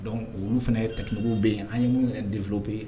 Donc olu fana ye technique bɛ yen an ye minnu yɛrɛ développer